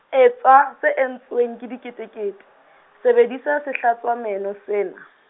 etsa se etswang ke diketekete, sebedisa sehlatswameno sena.